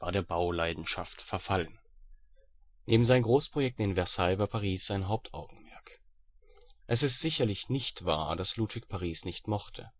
der Bauleidenschaft verfallen. Neben seinen Großprojekten in Versailles war Paris sein Hauptaugenmerk. Es ist sicherlich nicht wahr, dass Ludwig Paris nicht mochte